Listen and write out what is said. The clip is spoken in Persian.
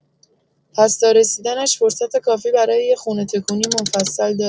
پس تا رسیدنش فرصت کافی برای یه خونه تکونی مفصل داریم.